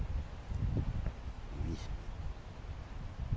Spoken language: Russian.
виски